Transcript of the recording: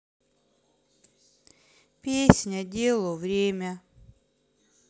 песня делу время